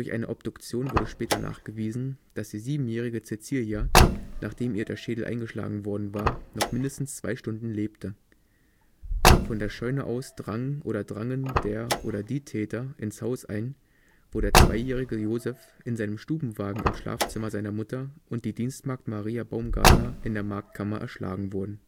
eine Obduktion wurde später nachgewiesen, dass die siebenjährige Cäzilia, nachdem ihr der Schädel eingeschlagen worden war, noch mindestens zwei Stunden lebte. Von der Scheune aus drang (en) der (oder die) Täter ins Haus ein, wo der zweijährige Josef in seinem Stubenwagen im Schlafzimmer seiner Mutter und die Dienstmagd Maria Baumgartner in der Magdkammer erschlagen wurden